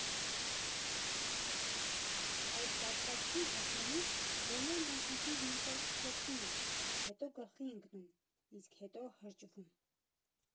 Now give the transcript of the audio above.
Այդ բացվածքին հասնելիս բոլորն անխտիր մի պահ շփոթվում են, հետո գլխի ընկնում, իսկ հետո հրճվում։